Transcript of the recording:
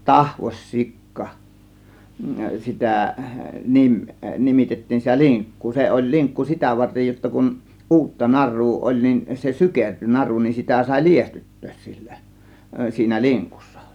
tahvos sikka sitä - nimitettiin sitä linkkua se oli linkku sitä varten jotta kun uutta narua oli niin se sykertyi naru niin sitä sai liestyttää sillä siinä linkussa